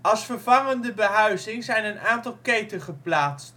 Als vervangende behuizing zijn een aantal keten geplaatst.